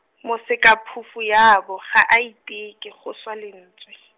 Mosekaphofu yabo, ga a iteke, go swa lentswe.